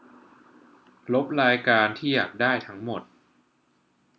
ลบรายการที่อยากได้ทั้งหมด